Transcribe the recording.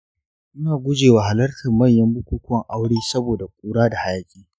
ina guje wa halartar manyan bukukuwan aure saboda ƙura da hayaki